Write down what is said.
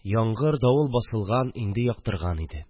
Яңгыр, давыл басылган, инде яктырган иде